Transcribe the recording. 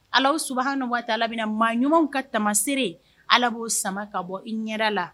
Ala su waa ta la maa ɲumanw ka tamaseere ala b'o sama ka bɔ i ɲɛ la